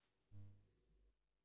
сбер ты что заболел